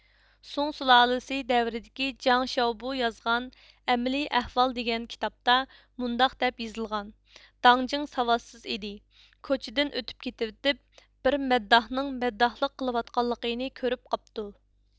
سۇڭ سۇلالىسى دەۋرىدىكى جاڭ شياۋبۇ يازغان ئەمەلىي ئەھۋال دېگەن كىتابتا مۇنداق دەپ يېزىلغان داڭ جىڭ ساۋاتسىز ئىدى كوچىدىن ئۆتۈپ كېتىۋېتىپ بىر مەدداھنىڭ مەدداھلىق قىلىۋاتقانلىقىنى كۆرۈپ قاپتۇ